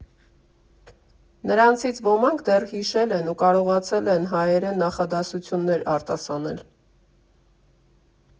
Նրանցից ոմանք դեռ հիշել են ու կարողացել են հայերեն նախադասություններ արտասանել։